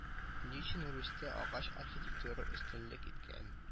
Ни өчен русьта агач архитектура өстенлек иткән